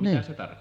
mitä se tarkoittaa